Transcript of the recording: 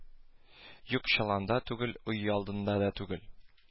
Юк чоланда түгел өйалдында да түгел